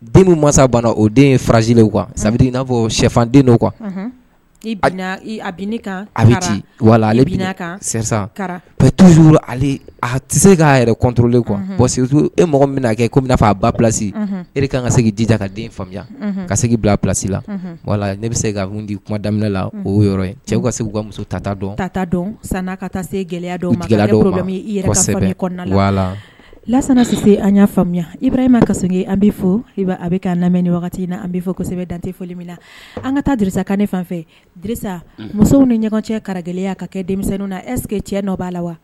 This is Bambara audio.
Den masa banna o den farajilen kuwa sabidi n'a fɔ shɛfanden kan i kan a bɛ wala ale kan tuuru a tɛ se k'a yɛrɛtɔlen kuwa e mɔgɔ min kɛ kɔmi na fɔ a ba plasi e ka ka segin dija ka den faamuya ka segin bila plasi la wala ne bɛ se k kakun di kuma daminɛ la o cɛ ka segin u ka muso tata dɔn ta dɔn san ka taa se gɛlɛya dɔw gɛlɛya i laanasi se an y'a faamuyaya i bɛ ma ka segin an bɛ fɔ i a bɛ ka lamɛn ni wagati in na an bɛ fɔ kosɛbɛbɛ dante foli min na an ka taa dsa kan ne fan musow ni ɲɔgɔn cɛ kara gɛlɛyaya ka kɛ denmisɛnnin na ɛsseke cɛ b'a la wa